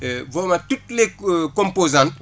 boobaa toutes les co composantes